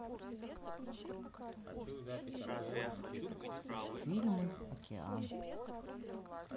фильмы океан